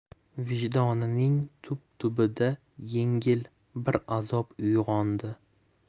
vijdonining tub tubida yengil bir azob uyg'ondi